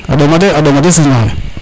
o ɗoma a ɗoma de Serigne noxe